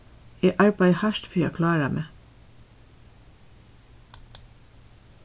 eg arbeiði hart fyri at klára meg